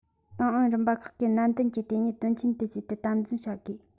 ཏང ཨུ རིམ པ ཁག གིས ནན ཏན གྱིས དེ ཉིད དོན ཆེན དུ བརྩིས ཏེ དམ འཛིན བྱ དགོས